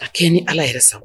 A kɛ ni ala yɛrɛ sago